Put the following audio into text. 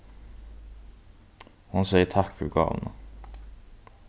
hon segði takk fyri gávuna